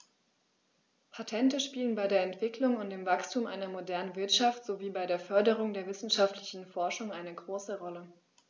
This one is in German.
Patente spielen bei der Entwicklung und dem Wachstum einer modernen Wirtschaft sowie bei der Förderung der wissenschaftlichen Forschung eine große Rolle.